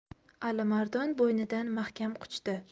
alimardon bo'ynidan mahkam quchdi